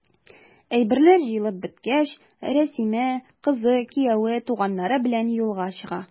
Әйберләр җыелып беткәч, Рәсимә, кызы, кияве, туганнары белән юлга чыга.